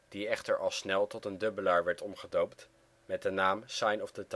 die echter al snel tot een dubbelaar werd omgedoopt met de naam Sign “☮” the Times